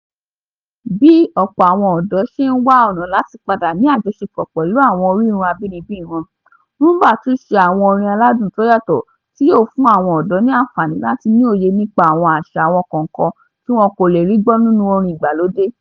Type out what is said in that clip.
Bí ọ̀pọ̀ àwọn ọ̀dọ́ ṣe ń wá ọ̀nà láti padà ní àjọsepọ̀ pẹ̀lú àwọn orírun abínibí wọn, Rhumba tún ṣe àwọn orin aládùn tó yàtọ̀ tí yòó fún àwọn ọ̀dọ̀ ní àǹfààní láti ni òye nípa àwọn àṣà wọn kọ̀ọ̀kan tí wọ́n kò lè rí gbọ́ nínú orin ìgbàlódé.